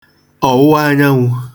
ọ̀ụwaanyanwụ̄